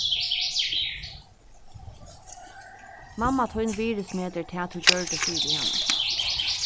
mamma tín virðismetir tað tú gjørdi fyri hana